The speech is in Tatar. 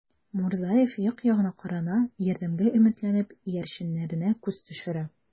Мурзаев як-ягына карана, ярдәмгә өметләнеп, иярченнәренә күз төшерә.